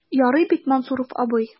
Ярый бит, Мансуров абый?